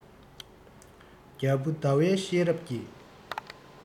རྒྱལ བུ ཟླ བའི ཤེས རབ ཀྱིས